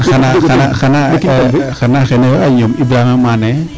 Xan a xan a xana xene yoo niom Ibrahima Mané.